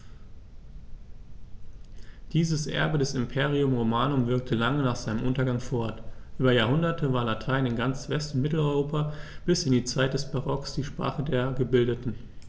Dieses Erbe des Imperium Romanum wirkte lange nach seinem Untergang fort: Über Jahrhunderte war Latein in ganz West- und Mitteleuropa bis in die Zeit des Barock die Sprache der Gebildeten.